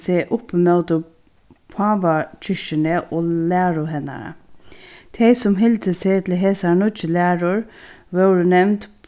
seg upp í móti pávakirkjuni læru hennara tey sum hildu seg til hesar nýggju lærur vórðu nevnd